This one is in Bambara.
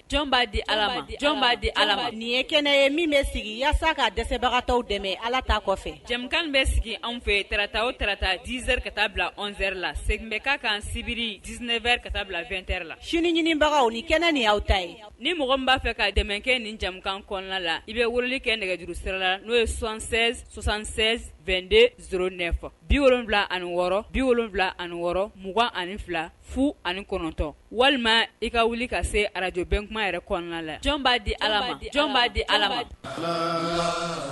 Jɔn'a di jɔn b'a di ala nin ye kɛnɛ ye min bɛ sigi walasasa ka dɛsɛbagata dɛmɛ ala ta kɔfɛ jamu bɛ sigi anw fɛ tta o tata dzeri ka taa bila zeri la sɛ bɛ ka kan sibiri dseɛrɛ ka taa bila2ɛ la sini ɲinibagaw ni kɛnɛ ni aw ta ye ni mɔgɔ b'a fɛ ka dɛmɛ kɛ nin jamanakan kɔnɔna la i bɛ wuli kɛ nɛgɛjuru sera la n'o ye sonsan sonsan72de s ne bi wolon wolonwula ani wɔɔrɔ biwula ani wɔɔrɔ m 2ugan ani fila fu ani kɔnɔntɔn walima i ka wuli ka se arajbɛnkuma yɛrɛ kɔnɔna la jɔn b'a di ala b'a di ala